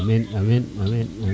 amin aminn amin